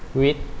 วิทย์